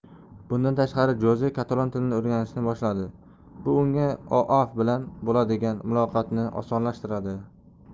bundan tashqari joze katalon tilini o'rganishni boshladi bu unga oav bilan bo'ladigan muloqotni osonlashtirardi